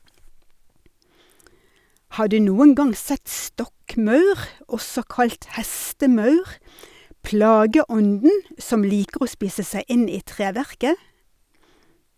Har du noen gang sett stokkmaur, også kalt hestemaur, plageånden som liker å spise seg inn i treverket?